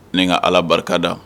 Ni ka Ala barika da.